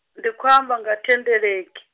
ndi khou amba nga thendeleki.